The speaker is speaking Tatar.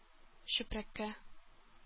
Чүпрәккә